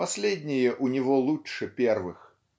Последние у него лучше первых.